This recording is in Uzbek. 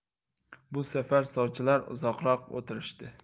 bu safar sovchilar uzoqroq o'tirishdi